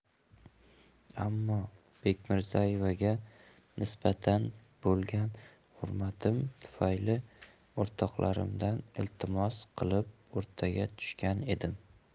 ammo bekmirzaevga nisbatan bo'lgan hurmatim tufayli o'rtoqlardan iltimos qilib o'rtaga tushgan edim